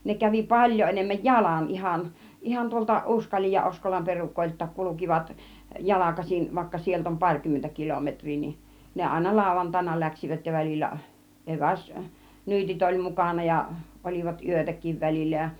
ne kävi paljon enemmän jalan ihan ihan tuolta Uskalin ja Oskolan perukoiltakin kulkivat jalkaisin vaikka sieltä on parikymmentä kilometriä niin ne aina lauantaina lähtivät ja välillä - eväsnyytit oli mukana ja olivat yötäkin välillä ja